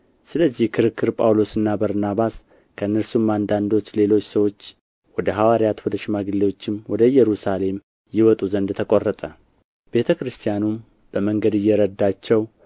ስለዚህ ክርክር ጳውሎና በርናባስ ከእነርሱም አንዳንዶች ሌሎች ሰዎች ወደ ሐዋርያት ወደ ሽማግሌዎችም ወደ ኢየሩሳሌም ይወጡ ዘንድ ተቈረጠ ቤተ ክርስቲያኑም በመንገድ እየረዳቸው